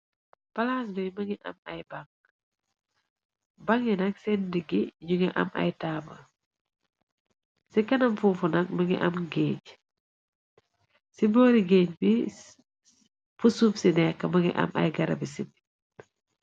Palaas nuy mu ngi am ay bang, bàngi nak seen diggë ñu ngi am ay taama. Ci kanam fuufu nag, mu ngi am géej, ci boori géej bi fu suuf so nekk mu ngi am ay garabi sibi.